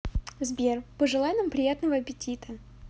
сбер пожелай нам приятного аппетита